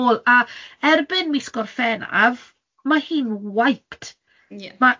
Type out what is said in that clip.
ar ôl, a erbyn mis Gorffennaf, ma' hi'n wiped.